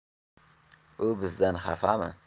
u bizdan xafami